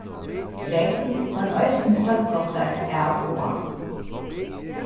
regn men eisini sólglottar av og á